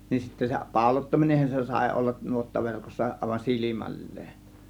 niin sitten se pauloittaminenhan se sai olla nuottaverkossa aivan silmälleen